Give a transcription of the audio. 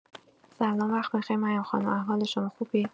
سلام وقت بخیر مریم خانم احوال شما خوبید.